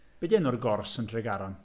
Be 'di enw'r gors yn Tregaron?